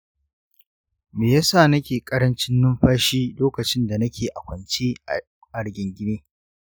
me ya sa nake ƙarancin numfashi lokacin da nake a kwance a rigingine?